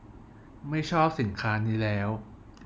ไม่ชอบสินค้านี้แล้ว